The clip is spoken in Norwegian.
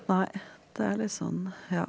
nei det er litt sånn ja.